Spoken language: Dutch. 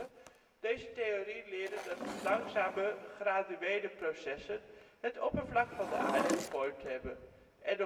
Deze theorie leert dat langzame, graduele processen het oppervlak van de aarde gevormd hebben, en